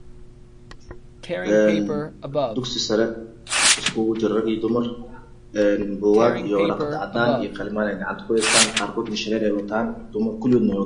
Een dugsi sare isugu jiro rag iyo dumar een buugaag iyo warqad caddaan iyo qalimaan ay gacanta ku heestaan qaarkood indha shareer ay wataan dumarka kuligoodna